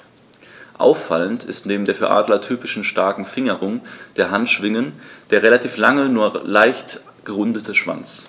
Auffallend ist neben der für Adler typischen starken Fingerung der Handschwingen der relativ lange, nur leicht gerundete Schwanz.